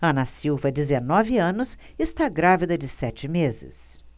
ana silva dezenove anos está grávida de sete meses